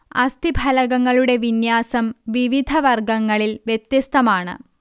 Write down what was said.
അസ്ഥിഫലകങ്ങളുടെ വിന്യാസം വിവിധ വർഗങ്ങളിൽ വ്യത്യസ്തമാണ്